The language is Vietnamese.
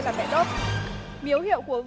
là mẹ đốp miếu hiệu của vua